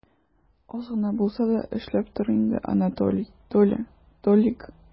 Аз гына булса да эшләп тор инде, Анатолий, Толя, Толик!